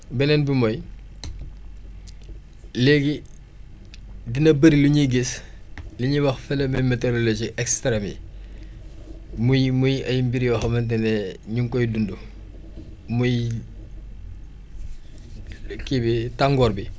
beneen bi mooy léegi dina bëri lu ñuy gis li ñuy wax phénomène métérologie extrème yi muy muy ay mbir yoo xamante ne ñu ngi koy dund muy kii bi tàngoor bi